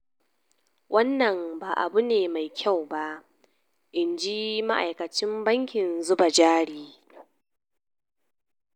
Wannan ba abu ne mai kyau ba, "in ji ma’aikacin bankin zuba jari.